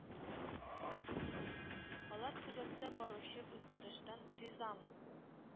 Алар төбәктә баручы үзгәрештән ризамы